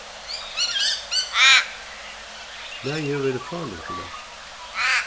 lagið hevur verið frálíkt í dag